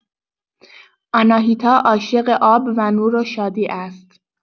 آناهیتا عاشق آب و نور و شادی است.